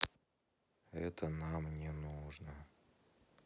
это нам не нужно